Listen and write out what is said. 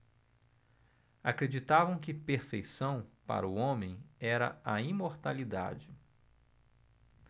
acreditavam que perfeição para o homem era a imortalidade